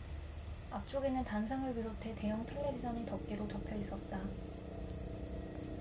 앞쪽에는 단상을 비롯해 대형 텔레비전이 덮개로 덮여있었다